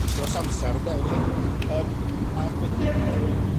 dros amsar ynde wch chi yym ag wedyn yym